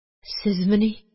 Сезмени,